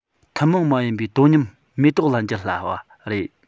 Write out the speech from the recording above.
ཐུན མོང མ ཡིན པའི དོ མཉམ མེ ཏོག ལ འགྱུར སླ བ རེད